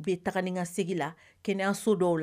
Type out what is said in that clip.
U bɛ taga ni ka seg la kɛ so dɔw la